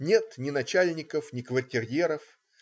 Нет ни начальников, ни квартирьеров.